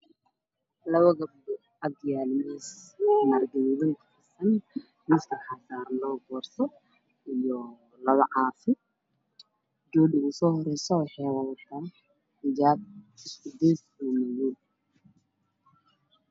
Waa laba gabdhood waxay wataan laba boorso waxayna ku fadhiyaan kursi hortooda waxaa yaalo miis